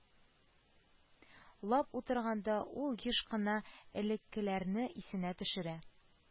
Елгы җанисәп буенча күпчелекне алып торучы халыклар: руслар